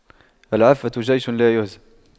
العفة جيش لايهزم